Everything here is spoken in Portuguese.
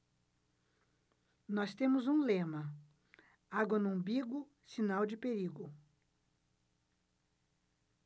nós temos um lema água no umbigo sinal de perigo